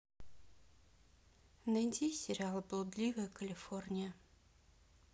найди сериал блудливая калифорния